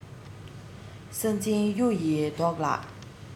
ས འཛིན གཡུ ཡི མདོག ལ